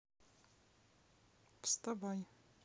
вставай